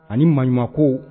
Ani maɲuman ko